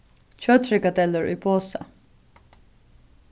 kjøtfrikadellur í posa